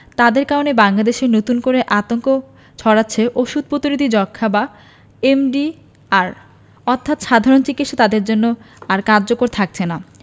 তাদের কারণে বাংলাদেশে নতুন করে আতঙ্ক ছড়াচ্ছে ওষুধ প্রতিরোধী যক্ষ্মা বা এমডিআর অর্থাৎ সাধারণ চিকিৎসা তাদের জন্য আর কার্যকর থাকছেনা